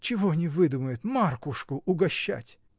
Чего не выдумает: Маркушку угощать!